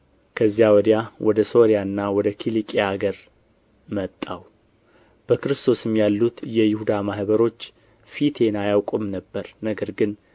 ከዚያ ወዲያ ወደ ሶርያና ወደ ኪልቅያ አገር መጣሁ በክርስቶስም ያሉት የይሁዳ ማኅበሮች ፊቴን አያውቁም ነበር ነገር ግን